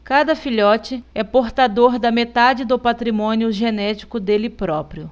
cada filhote é portador da metade do patrimônio genético dele próprio